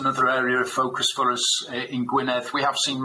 another area of focus for us e- in Gwynedd we have seen